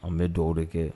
An bɛ dɔgɔ de kɛ